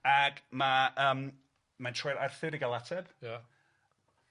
Ag ma' yym ma'n troi ar Arthur i ga'l ateb. Ia.